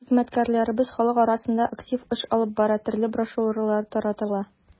Хезмәткәрләребез халык арасында актив эш алып бара, төрле брошюралар таратыла.